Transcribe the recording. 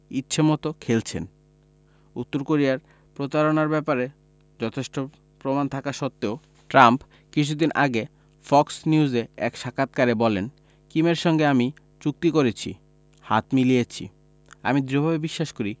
ইচ্ছেমতো খেলছেন উত্তর কোরিয়ার প্রতারণার ব্যাপারে যথেষ্ট প্রমাণ থাকা সত্ত্বেও ট্রাম্প কিছুদিন আগে ফক্স নিউজে এক সাক্ষাৎকারে বলেন কিমের সঙ্গে আমি চুক্তি করেছি হাত মিলিয়েছি আমি দৃঢ়ভাবে বিশ্বাস করি